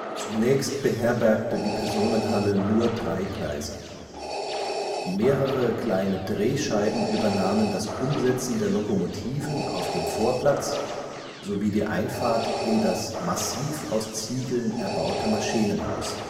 Zunächst beherbergte die Personenhalle nur drei Gleise. Mehrere kleine Drehscheiben übernahmen das Umsetzen der Lokomotiven auf dem Vorplatz sowie die Einfahrt in das massiv aus Ziegeln erbaute Maschinenhaus